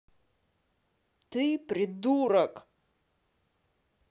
ты придурок